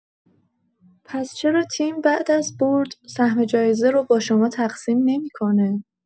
پس چرا تیم بعد از برد سهم جایزه رو با شما تقسیم نمی‌کنه؟